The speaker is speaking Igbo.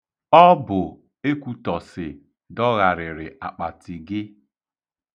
Ọ bụ Ekwutọsị dọgharịrị akpati gị.